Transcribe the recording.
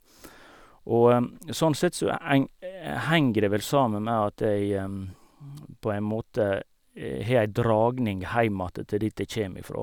Og sånn sett så eng henger det vel sammen med at jeg på en måte har ei dragning heimat til dit jeg kjem ifra.